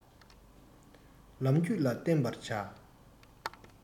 ལམ རྒྱུད ལ བརྟེན པར བྱ